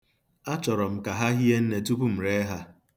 Achọṛo m ka ha hie nne tupu m ree ha.